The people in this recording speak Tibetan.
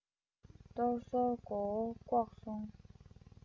གཏོར ཟོར མགོ བོ བཀོག སོང